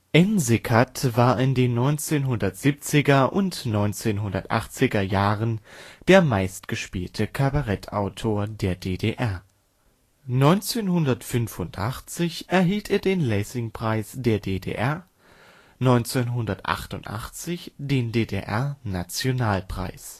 Ensikat war in den 1970er und 1980er Jahren der meistgespielte Kabarettautor der DDR. 1985 erhielt er den Lessing-Preis der DDR, 1988 den DDR-Nationalpreis